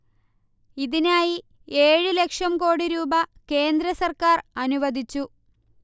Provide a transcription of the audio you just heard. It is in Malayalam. ഇതിനായി ഏഴ് ലക്ഷം കോടി രൂപ കേന്ദ്ര സർക്കാർ അനുവദിച്ചു